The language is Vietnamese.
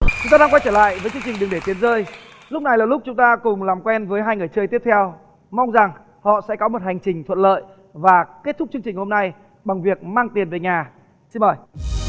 chúng ta đang quay trở lại với chương trình đừng để tiền rơi lúc này là lúc chúng ta cùng làm quen với hai người chơi tiếp theo mong rằng họ sẽ có một hành trình thuận lợi và kết thúc chương trình hôm nay bằng việc mang tiền về nhà xin mời